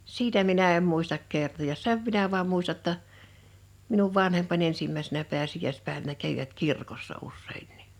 sitä minä en muista kertoa sen minä vain muistan jotta minun vanhempani ensimmäisenä pääsiäispäivänä kävivät kirkossa useinkin